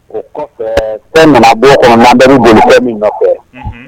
Fɛn bɛ kɔnɔ bɛ boli min